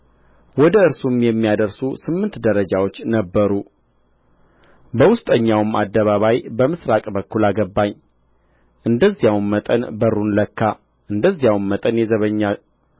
ወደ እርሱም የሚያደርሱ ስምንት ደረጃዎች ነበሩ በውስጠኛውም አደባባይ በምሥራቅ በኩል አገባኝ እንደዚያውም መጠን በሩን ለካ እንደዚያውም መጠን የዘበኛ